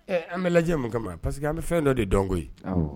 An bɛ lajɛ mun pa parceseke que an bɛ fɛn dɔ de dɔnko ye